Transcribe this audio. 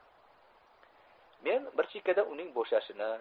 men bir chekkada uning bo'shashini